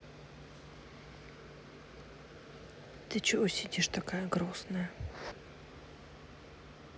а ты чего сидишь такая грустная